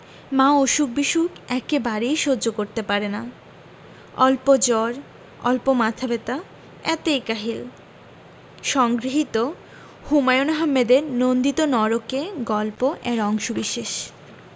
মা অসুখ বিসুখ একেবারেই সহ্য করতে পারে না অল্প জ্বর অল্প মাথা ব্যাতা এতেই কাহিল সংগৃহীত হুমায়ুন আহমেদের নন্দিত নরকে গল্প এর অংশবিশেষ